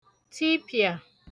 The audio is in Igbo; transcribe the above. tipị̀à